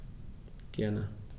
Gerne.